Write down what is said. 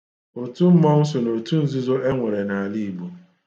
Otu mmọnwụ so n'otu nzuzo e nwere n'ala Igbo.